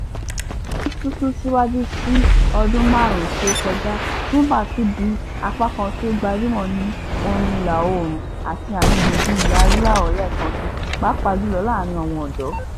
Ní sísún síwájú sí ọdún márùn-ún tí ó kọjá, Rhumba tún ti di apákan tí ó gbajúmò ní ti orin Ìlà-Oòrùn àti Ààrin Gbùngbùn Ilẹ̀ Adúláwò lẹ́ẹ̀kansi, pàápàá jùlọ láàárín àwọn ọ̀dọ́.